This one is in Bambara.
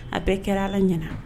A bɛɛ kɛra ala ɲɛna